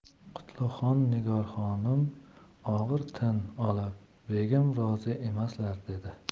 qutlug' nigor xonim og'ir tin olib begim rozi emaslar dedi